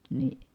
niin